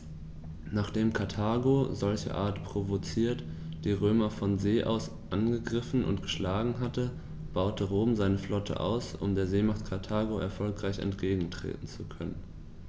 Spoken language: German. Nachdem Karthago, solcherart provoziert, die Römer von See aus angegriffen und geschlagen hatte, baute Rom seine Flotte aus, um der Seemacht Karthago erfolgreich entgegentreten zu können.